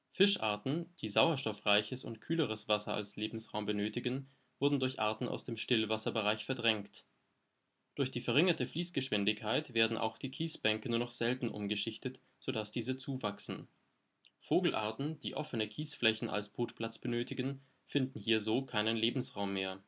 Fischarten, die sauerstoffreiches und kühleres Wasser als Lebensraum benötigen, wurden durch Arten aus dem Stillwasserbereich verdrängt. Durch die verringerte Fließgeschwindigkeit werden auch die Kiesbänke nur noch selten umgeschichtet, so dass diese zuwachsen. Vogelarten, die offene Kiesflächen als Brutplatz benötigen, finden hier so keinen Lebensraum mehr